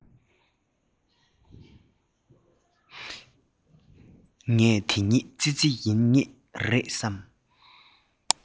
ངས དེ གཉིས ཙི ཙི ཡིན ངེས རེད བསམ